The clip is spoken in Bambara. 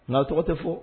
Nka tɔgɔ tɛ fɔ